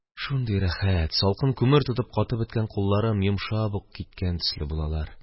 Шундый рәхәт, салкын күмер тотып катып беткән кулларым йомшап ук киткән төсле булалар.